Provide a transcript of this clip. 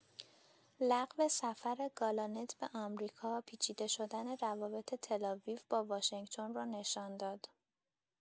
لغو سفر گالانت به آمریکا، پیچیده‌شدن روابط تل‌آویو با واشنگتن را نشان داد.